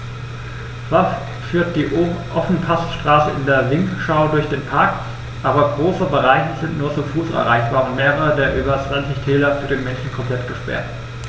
Zwar führt die Ofenpassstraße in den Vinschgau durch den Park, aber große Bereiche sind nur zu Fuß erreichbar und mehrere der über 20 Täler für den Menschen komplett gesperrt.